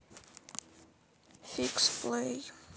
фикс плэй